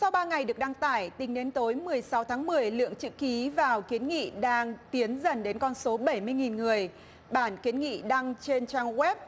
sau ba ngày được đăng tải tính đến tối mười sáu tháng mười lượng chữ ký vào kiến nghị đang tiến dần đến con số bảy mươi nghìn người bản kiến nghị đăng trên trang goép